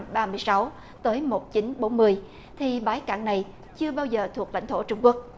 ba mươi sáu tới một chín bốn mươi thì bãi cạn này chưa bao giờ thuộc lãnh thổ trung quốc